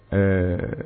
Ɛɛ